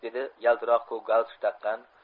dedi yaltiroq ko'k galstuk taqqan